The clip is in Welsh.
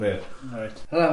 Reit. Reit.